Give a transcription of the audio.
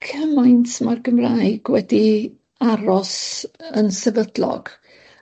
cymaint ma'r Gymraeg wedi aros yn sefydlog